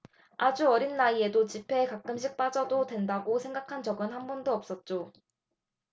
아주 어린 나이에도 집회에 가끔씩 빠져도 된다고 생각한 적은 한 번도 없었죠